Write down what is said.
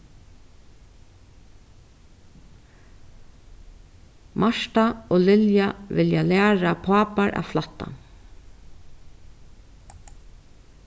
marta og lilja vilja læra pápar at flætta